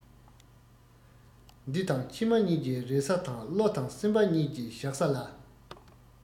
འདི དང ཕྱི མ གཉིས ཀྱི རེ ས དང བློ དང སེམས པ གཉིས ཀྱི བཞག ས ལ